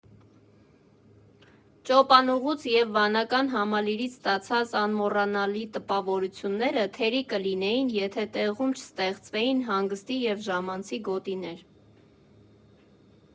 Ճոպանուղուց և վանական համալիրից ստացած անմոռանալի տպավորությունները թերի կլինեին, եթե տեղում չստեղծվեին հանգստի և ժամանցի գոտիներ։